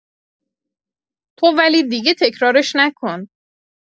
تو ولی دیگه تکرارش نکن.